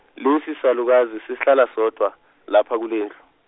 lesisalukazi sihlala sodwa, lapha kulendlu.